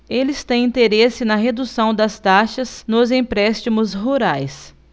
eles têm interesse na redução das taxas nos empréstimos rurais